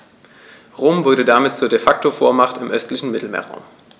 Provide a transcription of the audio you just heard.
Rom wurde damit zur ‚De-Facto-Vormacht‘ im östlichen Mittelmeerraum.